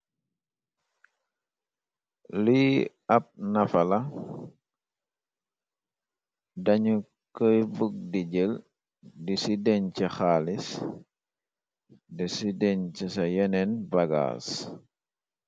Li ab nafala dañu koy bug di jël di ci deñ ci xaalis di ci deñ che ca yeneen bagaas.